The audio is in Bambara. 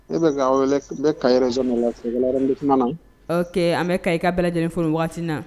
E ka na ɔ an bɛ ka i ka bɛ lajɛlen fɔ waati na